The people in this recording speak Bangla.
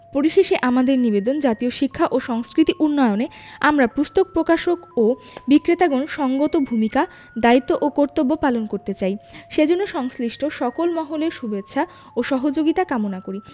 পরিশেষে আমাদের নিবেদন জাতীয় শিক্ষা ও সংস্কৃতি উন্নয়নে আমরা পুস্তক প্রকাশক ও বিক্রেতাগণ সঙ্গত ভূমিকা দায়িত্ব ও কর্তব্য পালন করতে চাই সেজন্য সংশ্লিষ্ট সকল মহলের শুভেচ্ছা ও সহযোগিতা কামনা করি